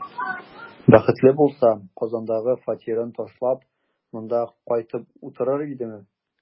Бәхетле булса, Казандагы фатирын ташлап, монда кайтып утырыр идеме?